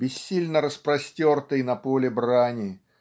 Бессильно распростертый на поле брани